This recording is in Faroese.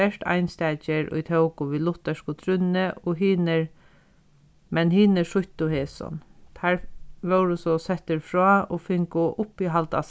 bert einstakir ið tóku við luthersku trúnni og hinir men hinir sýttu hesum teir vórðu so settir frá og fingu uppihald á